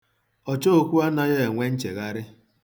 Ọchookwu anaghị enwe nchegharị.